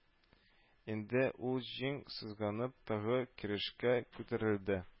Инде ул җиң сызганып тагы көрәшкә күтәрелде